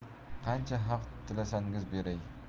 qancha haq tilasangiz beray